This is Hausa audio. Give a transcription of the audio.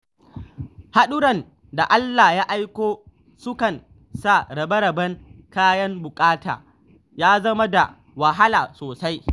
Haɗuran da Allah ya aiko sukan sa rabe-raben kayan buƙata ya zama da wahala sosai.